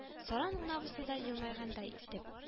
Саран гына булса да елмайгандай итеп: